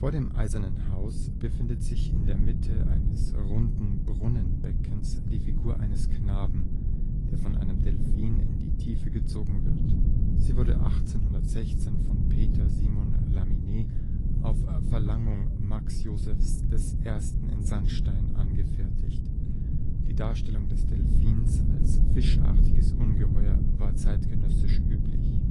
dem Eisernen Haus befindet sich in der Mitte eines runden Brunnenbeckens die Figur eines Knaben, der von einem Delphin in die Tiefe gezogen wird. Sie wurde 1816 von Peter Simon Lamine auf Veranlassung Max Josephs I. in Sandstein angefertigt. Die Darstellung des Delphins als fischartiges Ungeheuer war zeitgenössisch üblich